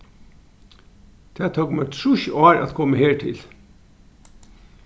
tað tók mær trýss ár at koma her til